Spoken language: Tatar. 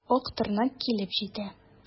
Актырнак килеп җитә.